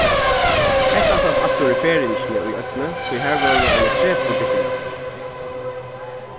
hetta sæst aftur í ferðingini í oynni tí har vóru eini tretivu gistingarpláss